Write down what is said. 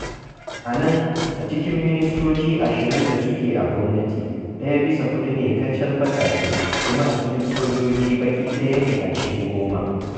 A nan, a cikin ministoci ashirin da suke a gwamnati, ɗaya bisa huɗu ne kacal baƙaƙe, kuma a cikin sojoji baƙi ɗaya ne a cikin sojoji goma.